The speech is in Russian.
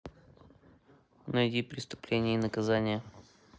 найди преступление и наказание